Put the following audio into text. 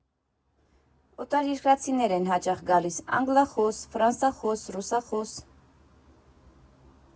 Օտարերկրացիներ են հաճախ գալիս՝ անգլիախոս, ֆրանսախոս, ռուսախոս։